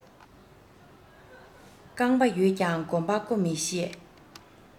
རྐང པ ཡོད ཀྱང གོམ པ སྤོ ནི ཤེས